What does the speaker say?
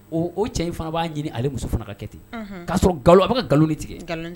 O o cɛ in fana b'a ɲini ale muso fana ka kɛ ten'a sɔrɔ nkalon a ka nkalon ni tigɛ